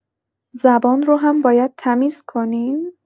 زبان رو هم باید تمیز کنیم؟